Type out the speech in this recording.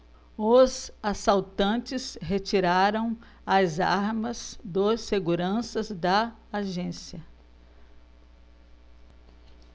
os assaltantes retiraram as armas dos seguranças da agência